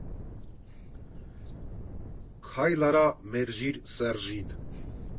֊ Քայլ արա, մերժիր Սեռժին։